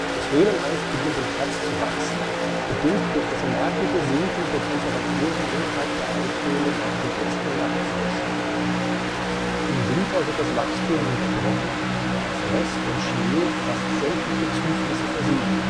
Das Höhleneis beginnt im Herbst zu wachsen, bedingt durch das merkliche Sinken der Temperaturen innerhalb der Eishöhle nach den ersten Nachtfrösten. Im Winter wird das Wachstum unterbrochen, da Frost und Schnee fast sämtliche Zuflüsse versiegen